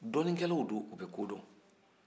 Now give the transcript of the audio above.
dɔnikɛlaw don u bɛ kodɔn